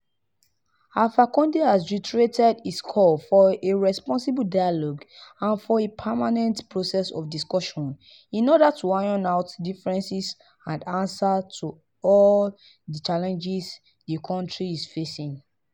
Alpha Condé has reiterated his call for a responsible dialogue and for a permanent process of discussions in order to iron out differences and answer all the challenges the country is facing.